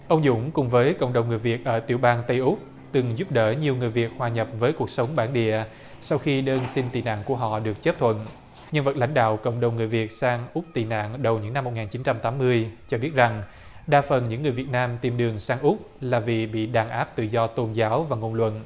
ông dũng cùng với cộng đồng người việt ở tiểu bang tây úc từng giúp đỡ nhiều người việt hòa nhập với cuộc sống bản địa sau khi đơn xin tị nạn của họ được chấp thuận nhân vật lãnh đạo cộng đồng người việt sang úc tị nạn đầu những năm một nghìn chín trăm tám mươi cho biết rằng đa phần những người việt nam tìm đường sang úc là vì bị đàn áp tự do tôn giáo và ngôn luận